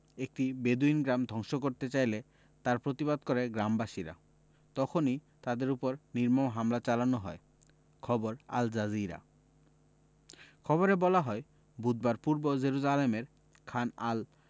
একটি বেদুইন গ্রাম ধ্বংস করতে চাইলে তার প্রতিবাদ করে গ্রামবাসীরা তখনই তাদের ওপর নির্মম হামলা চালানো হয় খবর আল জাজিরা খবরে বলা হয় বুধবার পূর্ব জেরুজালেমের খান আল